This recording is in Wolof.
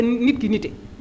nit ki nite